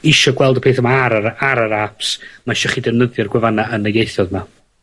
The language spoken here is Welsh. isio gweld y peth yma ar yr ar yr apps ma' isio chi defnyddio'r gwefanna yn y ieithodd 'ma.